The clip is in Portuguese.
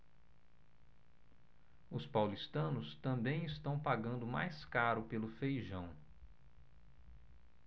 os paulistanos também estão pagando mais caro pelo feijão